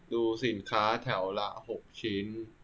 ดูสินค้าแถวละหกชิ้น